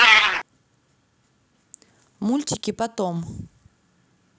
мультики потом